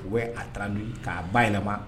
Bɛ a taara' k'a ba yɛlɛma